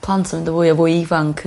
...plant yn do' fwy a fwy ifanc...